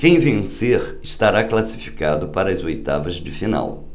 quem vencer estará classificado para as oitavas de final